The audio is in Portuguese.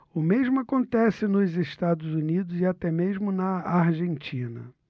o mesmo acontece nos estados unidos e até mesmo na argentina